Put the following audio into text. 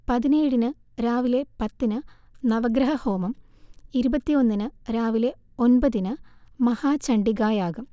പതിനേഴിന് രാവിലെ പത്തിന് നവഗ്രഹഹോമം, ഇരുപത്തിയൊന്നിന് രാവിലെ ഒൻപതിന് മഹാചണ്ഡികായാഗം